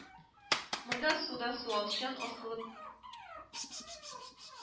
Монда суда суалчан асылып